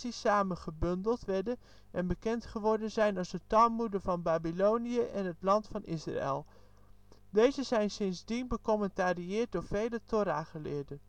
samengebundeld werden en bekend geworden zijn als de talmoeden van Babylonië en het Land van Israël. Deze zijn sindsdien becommentarieerd door vele Thora-geleerden